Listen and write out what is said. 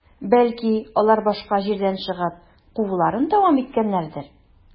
Бәлки, алар башка җирдә чыгып, кууларын дәвам иткәннәрдер?